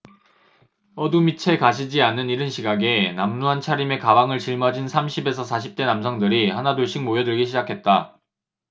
어둠이 채 가시지 않은 이른 시각에 남루한 차림에 가방을 짊어진 삼십 에서 사십 대 남성들이 하나둘씩 모여들기 시작했다